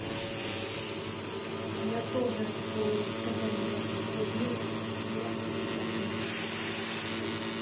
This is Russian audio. а я тоже расстроилась когда меня в одиннадцать лет трахнули блядь